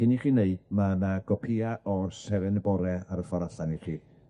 Cyn i chi wneud, ma' 'na gopïa o Seren y Bore ar y ffor' allan i chi.